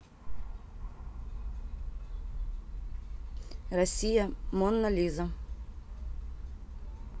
россия мона лиза